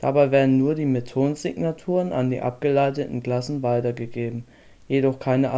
Dabei werden nur die Methodensignaturen an die abgeleiteten Klassen weitergegeben, jedoch keine